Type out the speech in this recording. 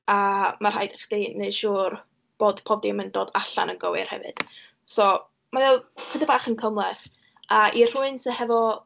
A ma' rhaid i chdi wneud siŵr bod pob dim yn dod allan yn gywir hefyd. So mae o chydig bach yn cymhleth, a i rhywun sydd hefo...